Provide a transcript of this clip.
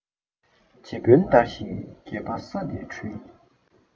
རྗེ དཔོན དར ཞིང རྒྱས པ ས སྡེའི འཕྲུལ